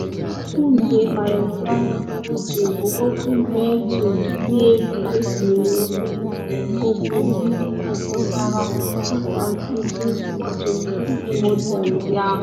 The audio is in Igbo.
Okpu nke Valentino pụrụ iche bụ okpu beji dị egwu etinyere okpuru okpu dị obosara dị ka nku kpuchiri isi model ndị ahụ.